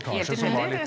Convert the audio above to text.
helt tilfeldig, eller?